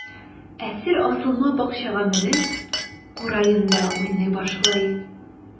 Әсир асылма бакчага менеп, кураенда уйный башлый.